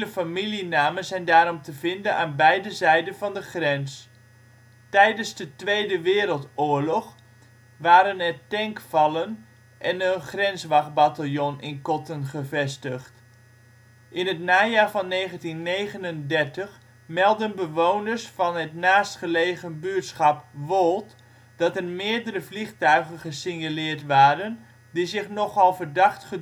familienamen zijn daarom te vinden aan beide zijden van de grens. Tijdens de Tweede Wereldoorlog waren er tankvallen en een grenswachtbataljon in Kotten gevestigd. In het najaar van 1939 meldden bewoners van het naast gelegen buurtschap Woold dat er meerdere vliegtuigen gesignaleerd waren die zich nogal verdacht